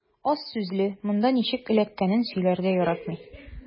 Аз сүзле, монда ничек эләккәнен сөйләргә яратмый.